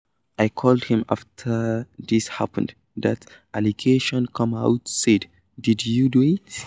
I called him after this happened, that allegation came out, said, 'Did you do it?'